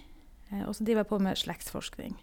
Og så driver jeg på med slektsforskning.